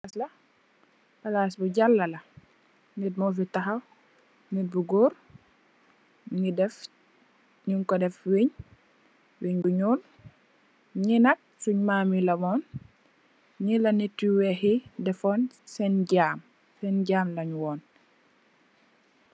Palaas la, palaas bu jala la, nit mo fi tahaw. Nit bu gòor mungi def, nung ko def wënn, wënn bu ñuul. Ngè nak sunn mamm yi la won, ngè la nit yu weeh yi dèfon senn jam, senn jam leen wonn.